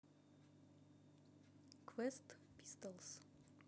квест пистолс